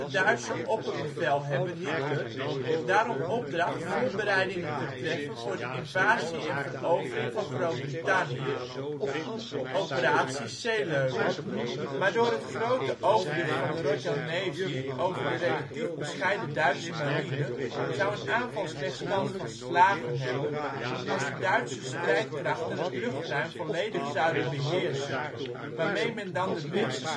Duitse opperbevelhebber (Hitler) daarom opdracht voorbereidingen te treffen voor de invasie en verovering van Groot-Brittannië (operatie Seelöwe). Maar door het grote overwicht van de Royal Navy over de relatief bescheiden Duitse marine zou een aanval slechts kans van slagen hebben als de Duitse strijdkrachten het luchtruim volledig zouden beheersen waarmee men dan de Britse